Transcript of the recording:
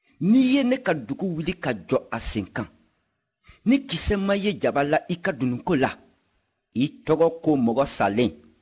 ni i ye ne ka dugu wuli ka jɔ a sen kan ni kisɛ ma ye jaba la i ka dunun ko la i tɔgɔ ko mɔgɔ salen